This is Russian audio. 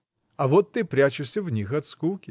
А вот ты прячешься в них от скуки.